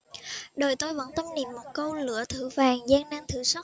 đời tôi vẫn tâm niệm một câu lửa thử vàng gian nan thử sức